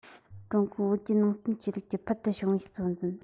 ཀྲུང གོའི བོད བརྒྱུད ནང བསྟན ཆོས ལུགས ཀྱི ཕུལ དུ བྱུང བའི གཙོ འཛིན